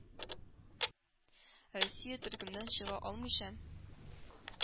Россия төркемнән чыга алмыйча,